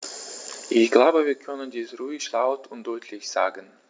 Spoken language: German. Ich glaube, wir können dies ruhig laut und deutlich sagen.